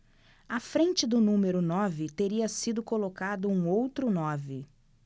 à frente do número nove teria sido colocado um outro nove